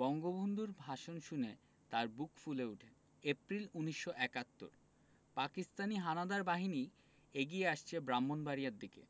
বঙ্গবন্ধুর ভাষণ শুনে তাঁর বুক ফুলে ওঠে এপ্রিল ১৯৭১ পাকিস্তানি হানাদার বাহিনী এগিয়ে আসছে ব্রাহ্মনবাড়িয়ার দিকে